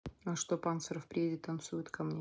а что панцеров приедет танцует ко мне